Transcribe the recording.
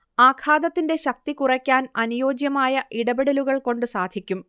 ആഘാതത്തിന്റെ ശക്തി കുറയ്ക്കാൻ അനുയോജ്യമായ ഇടപെടലുകൾകൊണ്ടു സാധിക്കും